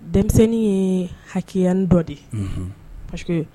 Denmisɛnnin ye haya dɔ de ye